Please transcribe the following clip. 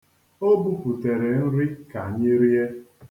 O buputere nri ka anyị rie.